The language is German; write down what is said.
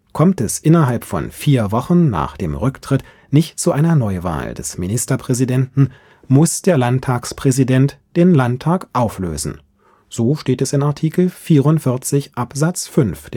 Kommt es innerhalb von vier Wochen nach dem Rücktritt nicht zu einer Neuwahl des Ministerpräsidenten, muß der Landtagspräsident den Landtag auflösen. (Art. 44 Abs. 5